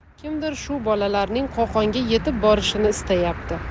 kimdir shu bolalarning qo'qonga yetib borishini istayapti